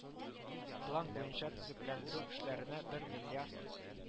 План буенча төзекләндерә эшләренә бер миллиард